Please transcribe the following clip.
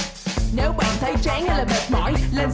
nếu bạn thấy chán hay là mệt mỏi lên